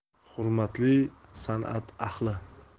hurmatli san'at ahli